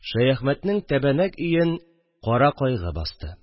Шәяхмәтнең тәбәнәк өен кара кайгы басты